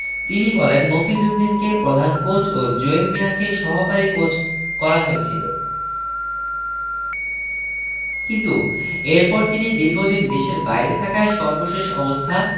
তিনি বলেন মফিজ উদ্দিনকে প্রধান কোচ ও জুয়েল মিয়াকে সহকারী কোচ করা হয়েছিল কিন্তু এরপর তিনি দীর্ঘদিন দেশের বাইরে থাকায় সর্বশেষ অবস্থা